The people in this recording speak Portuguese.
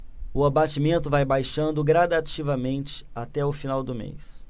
o abatimento vai baixando gradativamente até o final do mês